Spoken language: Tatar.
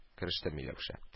Кереште миләүшә